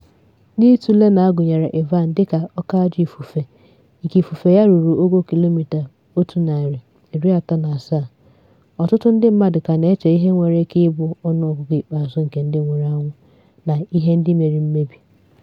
N'itule na a gụnyere Ivan dịka oke ajọ ifufe nke ifufe ya rụrụ ogo 137 km/h, ọtụtụ ndị mmadụ ka na-eche ihe nwere ike ịbụ ọnụ ọgụgụ ikpeazụ nke ndị nwụrụ anwụ na ihe ndị mere mmebi.